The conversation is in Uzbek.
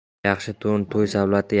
yaxshi to'n to'y savlati